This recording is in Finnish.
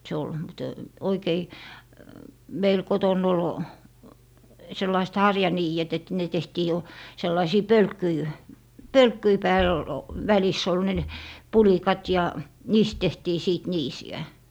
se oli - oikein meillä kotona oli sellaiset harjaniidet että ne tehtiin jo sellaisten pölkkyjen pölkkyjen päällä - välissä oli ne pulikat ja niistä tehtiin sitten niisiä